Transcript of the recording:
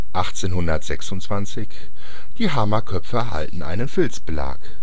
1826 – Die Hammerköpfe erhalten einen Filzbelag